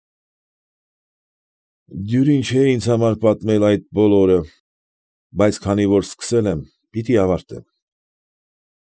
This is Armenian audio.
Դյուրին չէ ինձ համար պատմել այդ բոլորը, բայց քանի որ սկսել եմ, պիտի ավարտեմ։